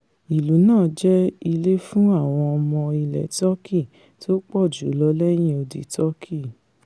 Ìlú náà jẹ́ ilé fún àwọn ọmọ ilẹ̀ Tọki tópọ̀ jùlọ lẹ́yìn odi Tọki.